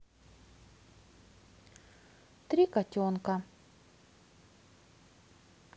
три котенка